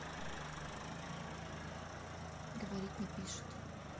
говорить напишет